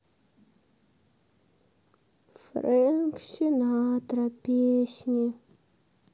фрэнк синатра песни